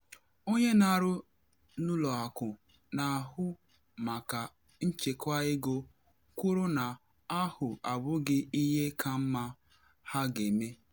Onye na-arụ n'ụlọakụ na-ahụ maka nchekwa ego kwuru na ahụ abụghị ihe ka mma a ga-eme.